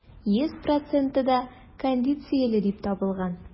Йөз проценты да кондицияле дип табылган.